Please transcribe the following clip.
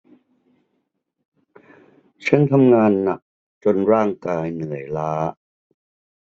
ฉันทำงานหนักจนร่างกายเหนื่อยล้า